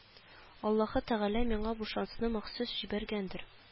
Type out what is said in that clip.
Аллаһы тәгалә миңа бу шансны махсус җибәргәндер